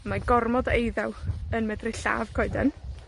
Mae gormod o eiddaw yn medru lladd coeden.